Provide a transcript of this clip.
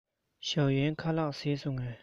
ཞའོ གཡན ཁ ལག བཟས སོང ངས